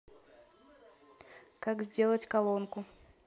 как сделать колонку